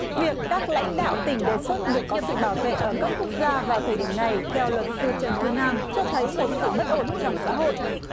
việc các lãnh đạo tỉnh đề xuất được có sự bảo vệ ở cấp quốc gia vào thời điểm này theo luật sư trần thu nam cho thấy một sự bất ổn trong xã hội